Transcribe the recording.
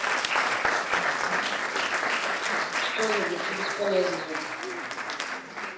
что нибудь ты бесполезная